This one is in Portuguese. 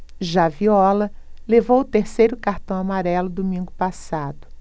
já viola levou o terceiro cartão amarelo domingo passado